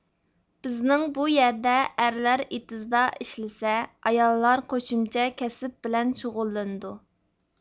بىزنىڭ بۇ يەردە ئەرلەر ئېتىزدا ئىشلىسە ئاياللار قوشۇمچە كەسىپ بىلەن شۇغۇللىنىدۇ